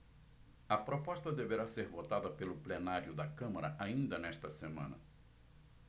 a proposta deverá ser votada pelo plenário da câmara ainda nesta semana